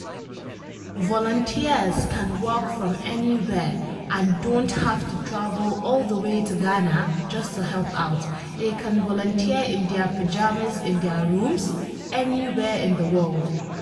Volunteers can work from anywhere and don’t have to travel all the way to Ghana just to help out; they can volunteer in their pyjamas in their rooms anywhere in the world.